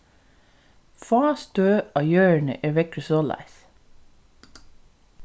fá støð á jørðini er veðrið soleiðis